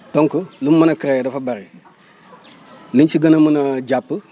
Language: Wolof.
donc li mu mën a créer dafa bëri li ñu si gën a mun a jàpp